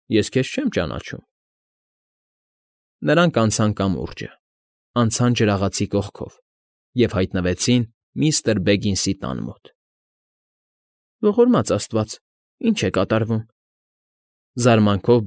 Ես քեզ չեմ ճանաչում… Նրանք անցան կամուրջը, անցան ջրաղացի կողքով և հայտնվեցին միստր Բեգինսի տան մոտ։ ֊ Ողորմած աստված… ի՞նչ է կատարվում,֊ զարմանքով։